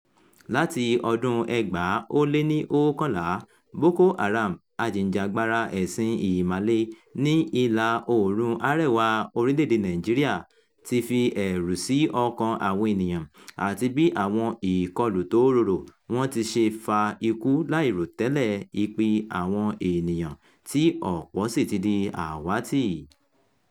Láti ọdún-un 2011, Boko Haram, ajìjàǹgbara ẹ̀sìn Ìmàle ní Ìlà-oòrùn àréwá orílẹ̀-èdèe Nàìjíríà, ti fi ẹ̀rù sí ọkàn àwọn ènìyàn àti bí àwọn ìkọlù tó rorò wọ́n ti ṣe fa ikú láì rò tẹ́lẹ̀ ìpí àwọn ènìyàn, tí ọ̀pọ̀ọ́ sì ti di àwátì.